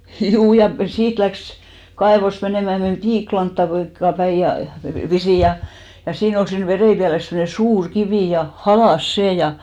juu ja siitä lähti kaivosta menemään meni - piikkilankaa päin ja pisin ja ja siinä oli siinä veräjänpielessä semmoinen suuri kivi ja halkaisi sen ja